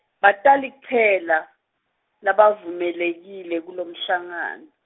batali kuphela, labavumelekile kulomhlangan-.